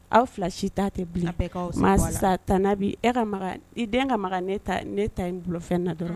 Aw fila si ta tɛ bila sisan tan bi e ka den ka ne ta nfɛn na dɔrɔn